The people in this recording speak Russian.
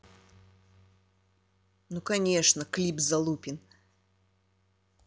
ну конечно клип залупин